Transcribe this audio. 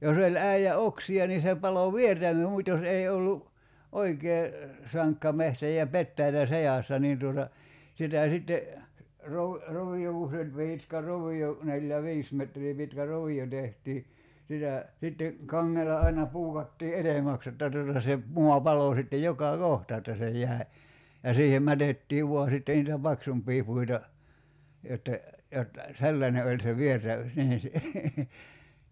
jos oli äijä oksia niin se paloi - mutta jos ei ollut oikein sankka metsä ja petäjiä seassa niin tuota sitä sitten - rovio kun se oli pitkä rovio neljä viisi metriä pitkä rovio tehtiin sitä sitten kangella aina puukattiin edemmäksi jotta tuota se maa paloi sitten joka kohta että se jäi ja siihen mätettiin vain sitten niitä paksumpia puita jotta jotta sellainen oli se - niin